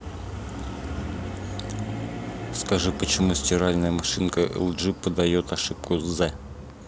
скажи почему стиральная машинка lg подает ошибку the